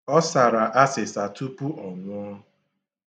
Ọ sara asịsa tupu ọ nwụọ.